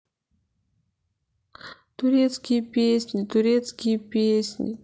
турецкие песни турецкие песни